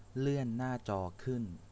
เลื่อนหน้าจอขึ้น